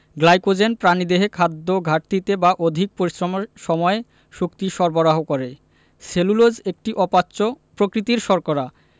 glycogen প্রাণীদেহে খাদ্যঘাটতিতে বা অধিক পরিশ্রমের সময় শক্তি সরবরাহ করে সেলুলোজ একটি অপাচ্য প্রকৃতির শর্করা